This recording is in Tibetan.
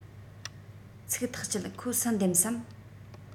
ཚིག ཐག བཅད ཁོ སུ འདེམས སམ